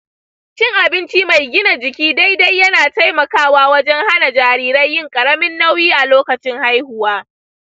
cin abinci mai gina jiki daidai yana taimakawa wajen hana jarirai yin ƙaramin nauyi a lokacin haihuwa.